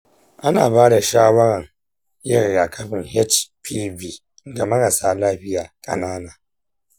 ana bada shawaran yin rigakafin hpv ga marasa lafiya ƙanana.